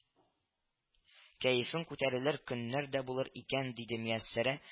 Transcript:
—кәефең күтәрелер көннәр дә булыр икән,—диде мияссәрә